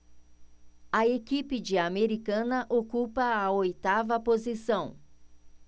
a equipe de americana ocupa a oitava posição